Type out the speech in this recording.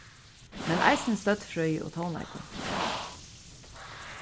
men eisini støddfrøði og tónleikur